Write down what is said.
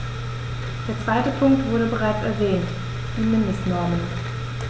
Der zweite Punkt wurde bereits erwähnt: die Mindestnormen.